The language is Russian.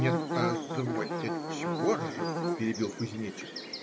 – Нет, позвольте, отчего же? – перебил кузнечик.